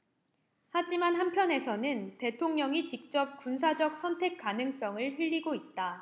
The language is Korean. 하지만 한편에서는 대통령이 직접 군사적 선택 가능성을 흘리고 있다